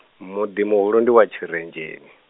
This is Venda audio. muḓi muhulu ndi wa Tshirenzheni.